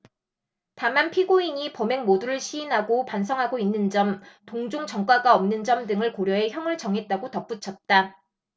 다만 피고인이 범행 모두를 시인하고 반성하고 있는 점 동종 전과가 없는 점 등을 고려해 형을 정했다고 덧붙였다